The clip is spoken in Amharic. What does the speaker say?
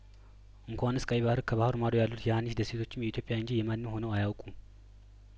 እንኳን ስቀይ ባህር ከባህሩ ማዶ ያሉት የሀኒሽ ደሴቶችም የኢትዮጵያ እንጂ የማንም ሆነው አያውቁም